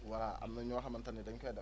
voilà am na ñoo xamante ne dañ koy def